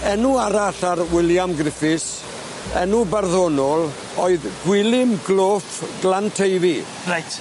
Enw arall ar William Griffiths enw barddonol oedd Gwilym Gloff Glanteifi. Reit.